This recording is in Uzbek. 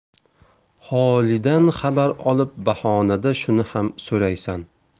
holidan xabar olib bahonada shuni ham so'raysan